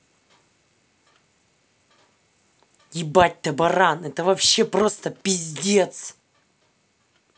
ебать табаран это вообще просто пиздец